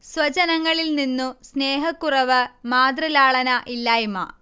സ്വജനങ്ങളിൽ നിന്നു സ്നേഹക്കുറവ്, മാതൃലാളന ഇല്ലായ്മ